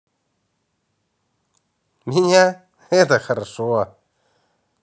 меня это хорошо